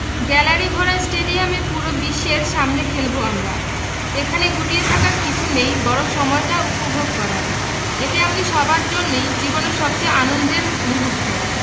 গ্যালারিভরা স্টেডিয়ামে পুরো বিশ্বের সামনে খেলব আমরা এখানে গুটিয়ে থাকার কিছু নেই বরং সময়টা উপভোগ করার এটি আমাদের সবার জন্যই জীবনের সবচেয়ে আনন্দের মুহূর্ত